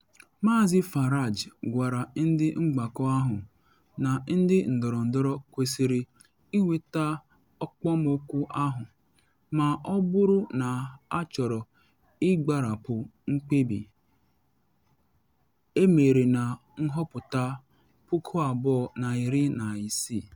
Maazị Farage gwara ndị mgbakọ ahụ na ndị ndọrọndọrọ kwesịrị “ịnweta okpomọkụ ahụ’ ma ọ bụrụ na ha chọrọ ịgbarapụ mkpebi emere na nhọpụta 2016.